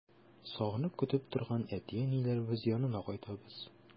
Сагынып көтеп торган әти-әниләребез янына кайтабыз.